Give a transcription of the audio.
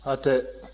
hatɛ